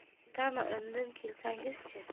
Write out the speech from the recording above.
ertami indin kelsangizchi